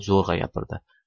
zo'rg'a gapirdi